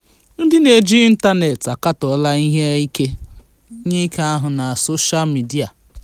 Ndị na-eji ịntaneetị akatọọla ihe ike ahụ na sosha midịa: